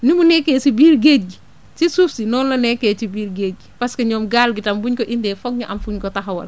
nu mu nekkee si biir géej gi si suuf si noonu la nekkee ci biir géej gi parce que ñoom gaal gi tam buñ ko indee foog ñu am fu ñu ko taxawal